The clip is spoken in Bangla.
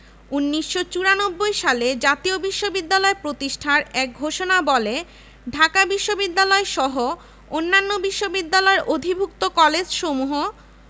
১৯৫৪ সালে ঢাকা বিশ্ববিদ্যালয়ের অধিভুক্ত কলেজের সংখ্যা দাঁড়ায় ৬৫